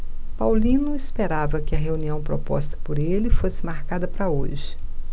paulino esperava que a reunião proposta por ele fosse marcada para hoje